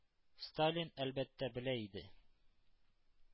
Сталин, әлбәттә, белә иде,